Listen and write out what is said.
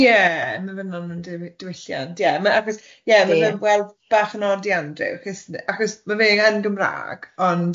Ie ma' fe'n angen diwy- diwylliant ie ma' achos ie ... Ydi. ...ma' fe'n wel- bach yn od i Andrew achos achos ma' fe yn Gymraeg ond